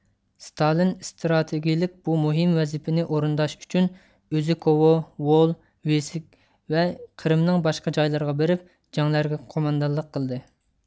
ستالىن ئىستراتېگىيىلىك بۇ مۇھىم ۋەزىپىنى ئورۇنداش ئۈچۈن ئۆزى كوۋو ۋول ۋىسك ۋە قىرىمنىڭ باشقا جايلىرىغا بېرىپ جەڭلەرگە قوماندانلىق قىلدى